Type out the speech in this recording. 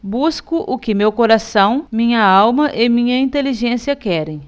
busco o que meu coração minha alma e minha inteligência querem